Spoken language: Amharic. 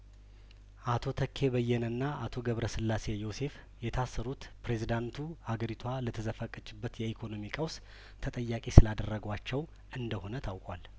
አቶ ተኬ በየነና አቶ ገብረስላሴ ዮሴፍ የታሰሩት ፕሬዝዳንቱ አገሪቷ ለተዘፈቀ ችበት የኢኮኖሚ ቀውስ ተጠያቂ ስላደረ ጓቸው እንደሆነ ታውቋል